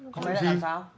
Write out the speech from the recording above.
con bé lại làm sao